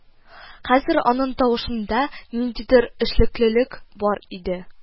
Хәзер аның тавышында ниндидер эшлеклелек бар иде